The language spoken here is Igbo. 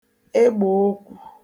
egbèokwū